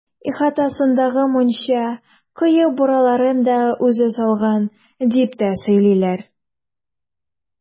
Ихатасындагы мунча, кое бураларын да үзе салган, дип тә сөйлиләр.